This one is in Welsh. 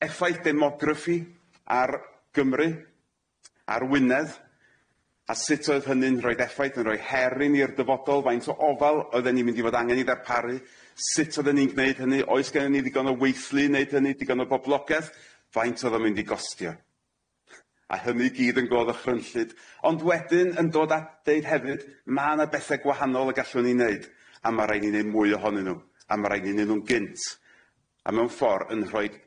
effaith demographi ar Gymru ar Wynedd a sut oedd hynny'n rhoid effaith yn rhoi her i ni i'r dyfodol, faint o ofal oedden ni mynd i fod angen i ddarparu sut oedden ni'n gneud hynny oes gennyn ni ddigon o weithlu i neud hynny digon o boblogeth, faint o'dd o'n myn i gostio a hynny i gyd yn go ddychrynllyd ond wedyn yn dod at deud hefyd ma' 'na bethe gwahanol y gallwn ni neud a ma' raid i ni neud mwy ohonynw a ma' raid i ni neud nw'n gynt a mewn ffor yn rhoid